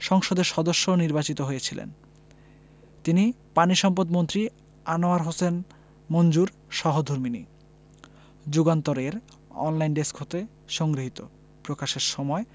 সংসদের সদস্য নির্বাচিত হয়েছিলেন তিনি পানিসম্পদমন্ত্রী আনোয়ার হোসেন মঞ্জুর সহধর্মিণী যুগান্তর এর অনলাইন ডেস্ক হতে সংগৃহীত প্রকাশের সময়